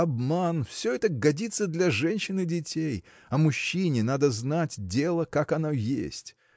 обман – все это годится для женщин и детей а мужчине надо знать дело как оно есть.